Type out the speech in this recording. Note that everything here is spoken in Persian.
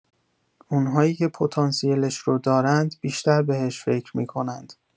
اون‌هایی که پتانسیلش رو دارند بیشتر بهش فکر می‌کنند.